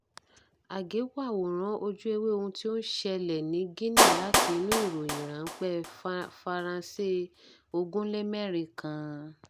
Àgékù àwòrán ojú-ewé ohun tí ó ń ṣẹlẹ̀ ní Guinea láti inú ìròyìn ránpẹ́ France 24 kan.